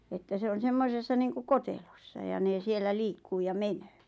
että se on semmoisessa niin kuin kotelossa ja ne siellä liikkuu ja menee